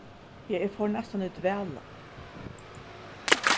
ja eg fór næstan í dvala